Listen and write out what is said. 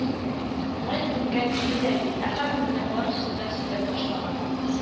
Малай күнгән иде дә бит ә хәзер менә барсын да сөйләп ташлаган